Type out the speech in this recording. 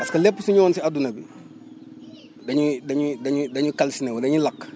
parce que lépp su ñëwoon si adduna bi dañuy dañuy dañuy dañuy calciner :fa wu dañuy lakk